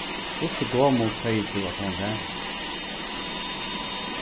hvussu gomul segði tú at hon var